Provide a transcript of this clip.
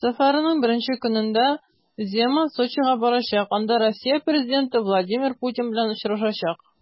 Сәфәренең беренче көнендә Земан Сочига барачак, анда Россия президенты Владимир Путин белән очрашачак.